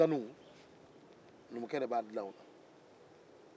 numukɛ b'a dila sanu na